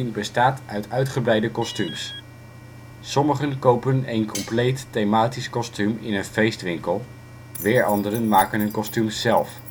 bestaat uit uitgebreide kostuums. Sommigen kopen een compleet thematisch kostuum in een feestwinkel, weer anderen maken hun kostuums zelf